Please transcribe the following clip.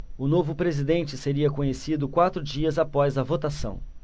o novo presidente seria conhecido quatro dias após a votação